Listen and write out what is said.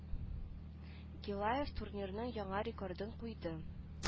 Гилаев турнирның яңа рекордын куйды